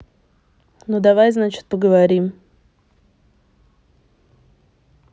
ну давай значит поговорим